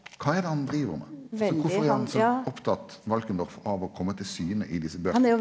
kva er det han driv med altså kvifor så opptatt Valkendorf av å komme til syne i desse bøkene?